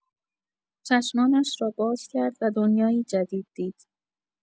چشمانش را باز کرد و دنیایی جدید دید.